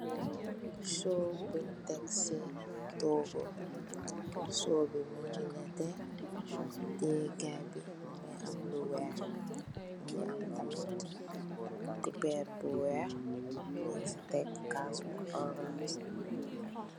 Sow bun tekk ci toogu, sow bi mungi nètè. Tègèkaay bi mungi am lu weeh, mungi am tamit cubèr bu weeh nung ci tekk caas bu orance.